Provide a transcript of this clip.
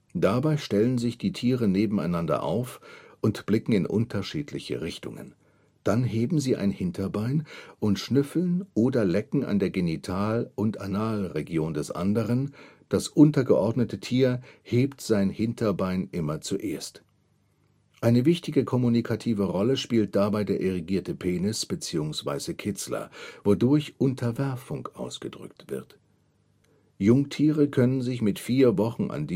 Dabei stellen sich die Tiere nebeneinander auf und blicken in unterschiedliche Richtungen. Dann heben sie ein Hinterbein und schnüffeln oder lecken an der Genital - und Analregion des anderen, das untergeordnete Tier hebt sein Hinterbein immer zuerst. Eine wichtige kommunikative Rolle spielt dabei der erigierte Penis beziehungsweise Kitzler, wodurch Unterwerfung ausgedrückt wird. Jungtiere können sich mit vier Wochen an